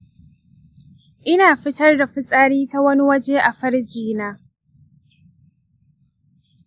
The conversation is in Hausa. ina fitar da fitsari ta wani waje a farji na.